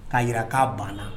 Ka jira k'a banna